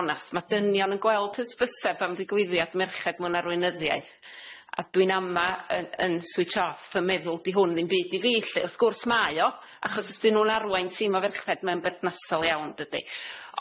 onast, ma' dynion yn gweld hysbyseb am ddigwyddiad merched mewn arweinyddiaeth a dwi'n ama yn yn switch off yn meddwl di hwn ddim byd i fi lly, wrth gwrs mae o achos os di nw'n arwain tîm o ferchfed ma'n berthnasol iawn dydi?